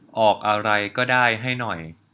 ออกอะไรก็ได้ให้หน่อย